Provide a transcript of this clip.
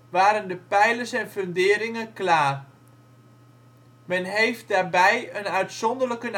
waren de pijlers en funderingen klaar. Men heeft daarbij een uitzonderlijke